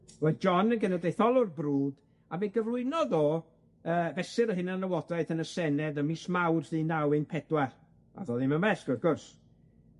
Roedd John yn genedlaetholwr brwd a fe gyflwynodd o yy fesur o hunanlywodraeth yn y Senedd ym mis Mawrth un naw un pedwar ath o ddim yn bell wrth gwrs.